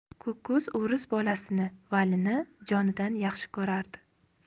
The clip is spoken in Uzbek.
ko'k ko'z o'ris bolasini valini jonidan yaxshi ko'rardi